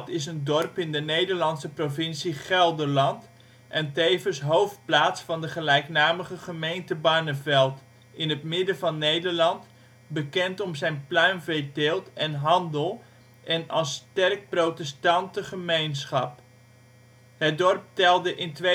is een dorp in de Nederlandse provincie Gelderland en tevens hoofdplaats van de gelijknamige gemeente Barneveld, in het midden van Nederland bekend om zijn pluimveeteelt en - handel en als sterk protestante gemeenschap. Het dorp telde in 2009